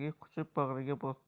birga quchib bag'riga bosdi